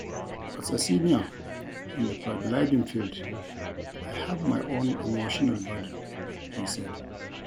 "As a senior in the paragliding field, I have my own emotional burden," he said.